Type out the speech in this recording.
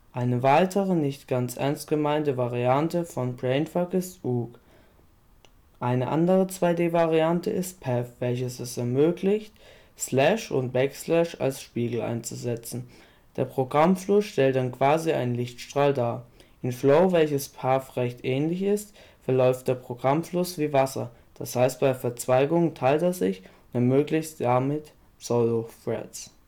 Eine weitere, nicht ganz ernst gemeinte Variante von Brainfuck ist Ook!. Eine andere 2D Variante ist Path, welches es ermöglicht / und \ als Spiegel einzusetzen. Der Programmfluss stellt dann quasi einen Lichtstrahl dar. In Flow, welches Path recht ähnlich ist, verläuft der Programmfluss wie Wasser, das heißt bei Verzweigungen teilt er sich, und ermöglicht damit (Pseudo -) Threads